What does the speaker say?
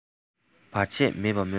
བར ཆད མེད པར སྨོན